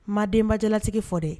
Ma denbajalatigi fɔ dɛ